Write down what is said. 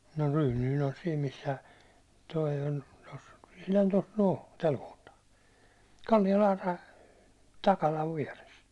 no Ryynynen on siinä missä tuo oli tuossa ihan tuossa no tällä kohtaa Kallialaan päin Takalan vieressä